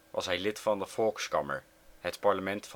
was hij lid van de Volkskammer (parlement